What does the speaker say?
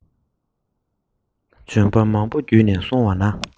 ལྗོན པ མང པོ བརྒྱུད ནས སོང བ ན